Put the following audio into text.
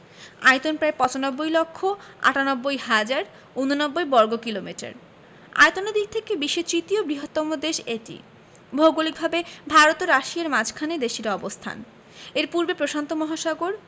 আয়তন প্রায় ৯৫ লক্ষ ৯৮ হাজার ৮৯ বর্গকিলোমিটার আয়তনের দিক থেকে বিশ্বের তৃতীয় বৃহত্তম দেশ এটি ভৌগলিকভাবে ভারত ও রাশিয়ার মাঝখানে দেশটির অবস্থান এর পূর্বে প্রশান্ত মহাসাগর